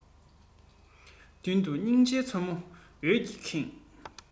མདུན དུ སྙིང རྗེའི མཚོ མོ འོད ཀྱིས ཁེངས